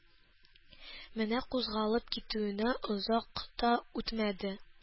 Менә кузгалып китүенә озак та үтмәде